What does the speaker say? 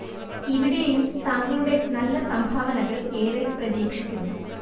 ഇവിടെയും താങ്കളുടെ നല്ല സംഭാവനകൾ ഏറെ പ്രതീക്ഷിക്കുന്നു